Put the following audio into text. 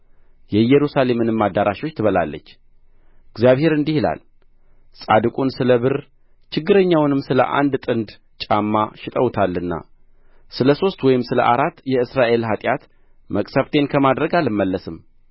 የኢየሩሳሌምንም አዳራሾች ትበላለች እግዚአብሔር እንዲህ ይላል ጻድቁን ስለ ብር ችጋረኛውንም ስለ አንድ ጥንድ ጫማ ሽጠውታልና ስለ ሦስት ወይም ስለ አራት የእስራኤል ኃጢአት መቅሠፍቴን ከማድረግ አልመለስም